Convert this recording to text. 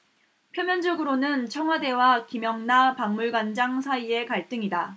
표면적으로는 청와대와 김영나 박물관장 사이의 갈등이다